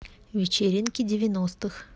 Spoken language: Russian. вечеринки девяностых